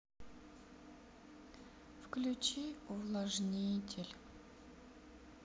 включи увлажнитель